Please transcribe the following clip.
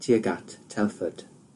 tuag at Telford.